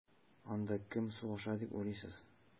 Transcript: Анда кем сугыша дип уйлыйсыз?